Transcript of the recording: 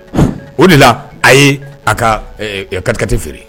O de la a ye a ka kariti feere